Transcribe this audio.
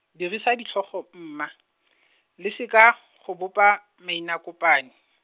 dirisa ditlhogo mma , le seka, go bopa, mainakopani.